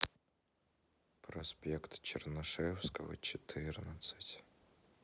проспект чернышевского четырнадцать